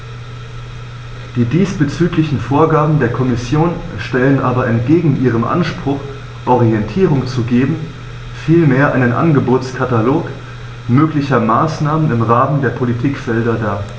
Die diesbezüglichen Vorgaben der Kommission stellen aber entgegen ihrem Anspruch, Orientierung zu geben, vielmehr einen Angebotskatalog möglicher Maßnahmen im Rahmen der Politikfelder dar.